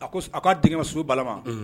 A ko a ko a denkɛ ma so bala ma